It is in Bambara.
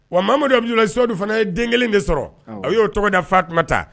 Wa Mamadu Abdulaye Sadu fana ye den kelen de sɔrɔ a y'o tɔgɔda fatumata.